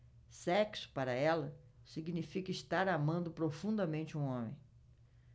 sexo para ela significa estar amando profundamente um homem